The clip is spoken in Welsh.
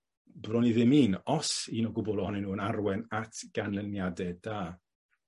bron i ddim un os un o gwbwl ohonyn nw yn arwen at ganlyniade da.